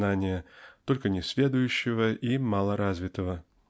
знания, только несведущего и мало развитого.